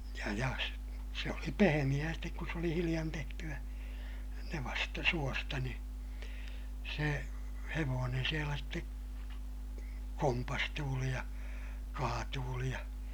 ja ja - se oli pehmeää sitten kun se oli hiljan tehtyä nevasta suosta niin se hevonen siellä sitten kompastuili ja kaatuili ja